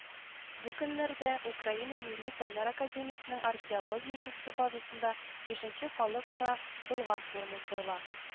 Бу көннәрдә Украина Милли фәннәр академиясенең Археология институты базасында бишенче Халыкара Болгар форумы уздырыла.